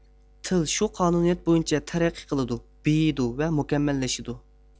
تىل شۇ قانۇنىيەت بويىچە تەرەققىي قىلىدۇ بېيىيدۇ ۋە مۇكەممەللىشىدۇ